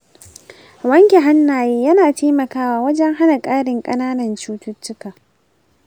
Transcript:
wanke hannaye yana taimakawa wajen hana ƙarin ƙananan cututtuka.